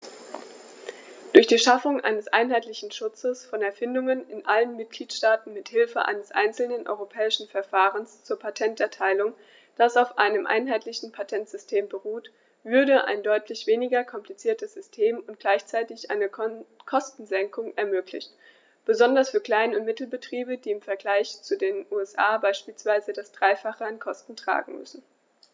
Durch die Schaffung eines einheitlichen Schutzes von Erfindungen in allen Mitgliedstaaten mit Hilfe eines einzelnen europäischen Verfahrens zur Patenterteilung, das auf einem einheitlichen Patentsystem beruht, würde ein deutlich weniger kompliziertes System und gleichzeitig eine Kostensenkung ermöglicht, besonders für Klein- und Mittelbetriebe, die im Vergleich zu den USA beispielsweise das dreifache an Kosten tragen müssen.